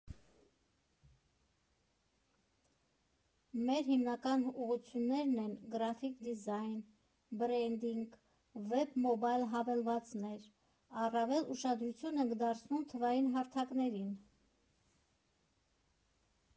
Մեր հիմնական ուղղություններն են՝ գրաֆիկ դիզայն, բրենդինգ, վեբ, մոբայլ հավելվածներ, առավել ուշադրություն ենք դարձնում թվային հարթակներին։